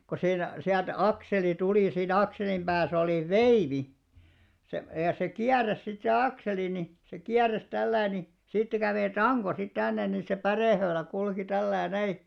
kun siinä sieltä akseli tuli siinä akselin päässä oli veivi se ja se kiersi sitten se akseli niin se kiersi tällä lailla niin siitä kävi tanko sitten tänne niin se pärehöylä kulki tällä lailla näin